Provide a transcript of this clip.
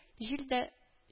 Җил дә